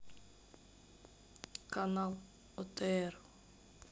канал отр